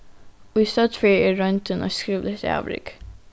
í støddfrøði er royndin eitt skrivligt avrik